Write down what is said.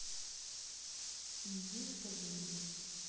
индюшка женится